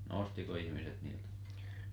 no ostiko ihmiset niiltä